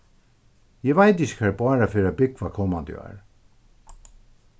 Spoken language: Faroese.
eg veit ikki hvar bára fer at búgva komandi ár